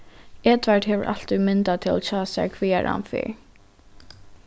edvard hevur altíð myndatól hjá sær hvagar hann fer